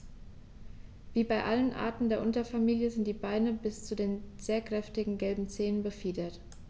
Wie bei allen Arten der Unterfamilie sind die Beine bis zu den sehr kräftigen gelben Zehen befiedert.